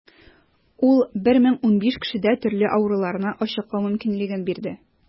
Ул 1015 кешедә төрле авыруларны ачыклау мөмкинлеге бирде.